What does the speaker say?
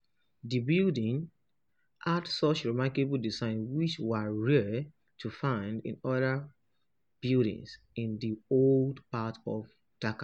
The building had such remarkable designs which were rare to find in other buildings in the old parts of Dhaka.